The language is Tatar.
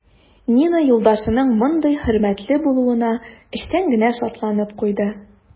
Нина юлдашының мондый хөрмәтле булуына эчтән генә шатланып куйды.